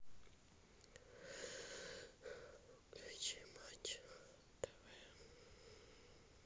включи матч тв